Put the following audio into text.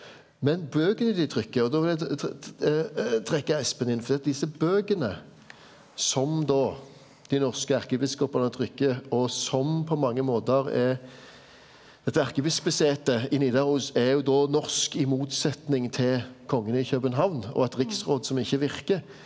men bøkene dei trykker og då vil eg trekke Espen inn for at desse bøkene som då dei norske erkebiskopane trykker og som på mange måtar er dette erkebiskopsetet i Nidaros er jo då norsk i motsetning til kongen i København og eit riksråd som ikkje verkar.